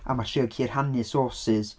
A mae'r lle yn gallu rhannu sources.